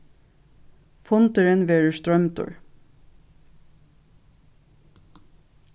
fundurin verður stroymdur